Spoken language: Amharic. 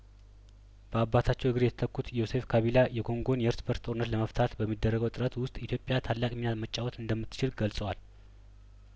በአባታቸው እግር የተተኩት ዮሴፍ ካቢላ የኮንጐን የእርስ በእርስ ጦርነት ለመፍታት በሚደረገው ጥረት ውስጥ ኢትዮጵያ ታላቅ ሚና መጫወት እንደምትችል ገልጸዋል